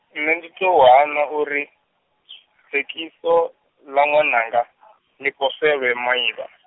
nṋe ndi tou hana uri , dzekiso, ḽa nwananga, ḽi poselwe maivha.